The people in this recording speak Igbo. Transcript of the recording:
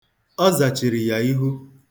Ọ zachiri ya ihu.